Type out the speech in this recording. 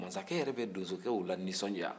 mansakɛ yɛrɛ bɛ donsokɛsw lanisɔndiya